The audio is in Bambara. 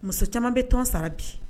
Muso caman bɛ tɔnon sara bi